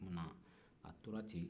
a nana a tora ten